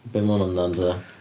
Be mae hwn amdan, ta?